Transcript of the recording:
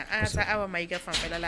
Ansa aw ma i fan la